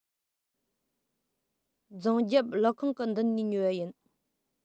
རྫོང རྒྱབ ཀླུ ཁང གི མདུན ནས ཉོས པ ཡིན